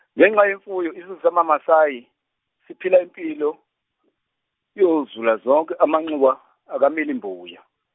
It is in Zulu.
ngenxa yemfuyo isizwe samaMasayi, siphila impilo, yozulazonke amanxiwa, a kamili mbuya.